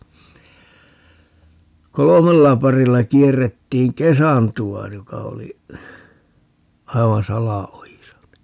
kolmella parilla kierrettiin kesantoa joka oli aivan salaojissa niin